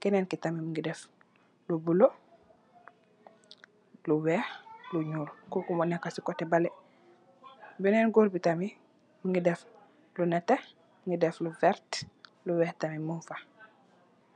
kenen ki tamit mungi def lu bulo, lu weex lu ñuol, koku mo nekka si cote bale. Benen góor bi tamit mungi def lu nette, mungi def lu vert, lu weex tamit mungfa.